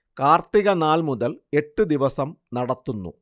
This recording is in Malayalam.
കാർത്തിക നാൾ മുതൽ എട്ടു ദിവസം നടത്തുന്നു